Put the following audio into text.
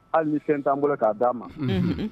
Hali ni fɛn t'an bolo k'a d dia ma